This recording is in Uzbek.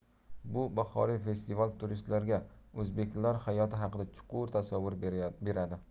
bu bahoriy festival turistlarga o'zbeklar hayoti haqida chuqur tasavvur beradi